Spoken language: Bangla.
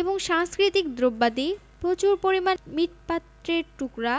এবং সাংষ্কৃতিক দ্রব্যাদি প্রচুর পরিমাণ মৃৎপাত্রের টুকরা